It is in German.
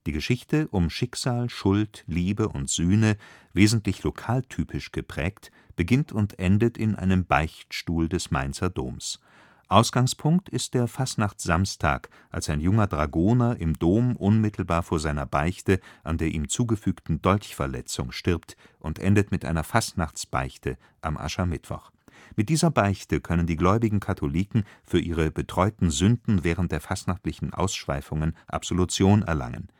Geschichte um Schicksal, Schuld, Liebe und Sühne, wesentlich lokaltypisch geprägt, beginnt und endet in einem Beichtstuhl des Mainzer Doms. Ausgangspunkt ist der Fastnachtssamstag, als ein junger Dragoner im Dom unmittelbar vor seiner Beichte an der ihm zugefügten Dolchverletzung stirbt und endet mit einer Fastnachtsbeichte an Aschermittwoch. Mit dieser Beichte können die gläubigen Katholiken für ihre bereuten Sünden während der fastnachtlichen Ausschweifungen Absolution erlangen